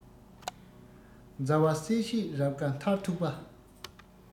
མཛའ བ གསལ བྱེད རབ དགའ མཐར ཐུག པ